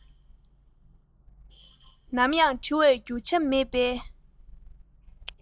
ནམ ཡང བྲི བའི རྒྱུ ཆ མེད པའི